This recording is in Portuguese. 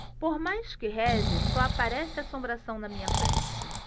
por mais que reze só aparece assombração na minha frente